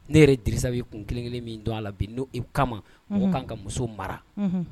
Ne yɛrɛ Dirisa bɛ kun kelen kelen min don a la bi n'o de kama, unhun, mɔgɔ kan ka muso mara, unhun.